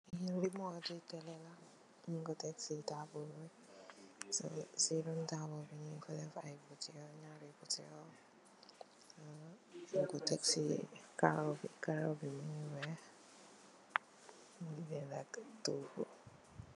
Lii remot tii tele la, njung kor tek cii taabul bii, cii cii ron taabul bii njung fa deff aiiy butehll, njaari butehll, nju njun koh tek cii kaaroh bii, kaaroh bii mungy wekh, mungy ndenak tohgu.